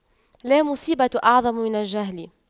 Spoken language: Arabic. لا مصيبة أعظم من الجهل